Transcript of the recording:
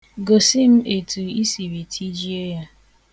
Gosi m etu i siri tijie ya.